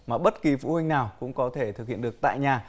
mà bất kỳ phụ huynh nào cũng có thể thực hiện được tại nhà